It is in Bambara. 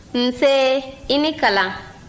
nse i ni kalan